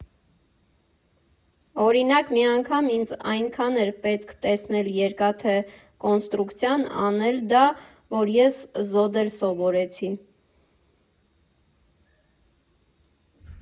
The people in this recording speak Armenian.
Օրինակ, մի անգամ ինձ այնքան էր պետք տեսնել երկաթե կոնստրուկցիան, անել դա, որ ես զոդել սովորեցի։